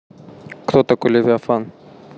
кто такой левиафан